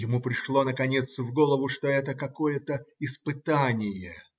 Ему пришло, наконец, в голову, что это какое-то испытание.